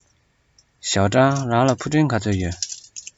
ཞའོ ཀྲང རང ལ ཕུ འདྲེན ག ཚོད ཡོད